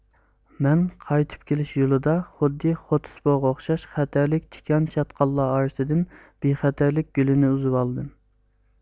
مەن قايتىپ كېلىش يولىدا خۇددى خوتسپوغا ئوخشاش خەتەرلىك تىكەن چاتقاللار ئارىسىدىن بىخەتەرلىك گۈلىنى ئۈزۈۋالدىم